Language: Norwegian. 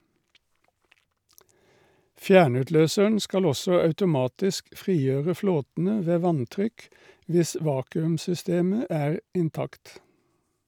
Fjernutløseren skal også automatisk frigjøre flåtene ved vanntrykk hvis vakuum-systemet er intakt.